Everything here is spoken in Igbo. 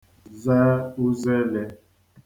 ze uzelē